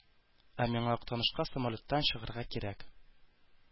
Ә миңа Актанышка самолетка чыгарга кирәк.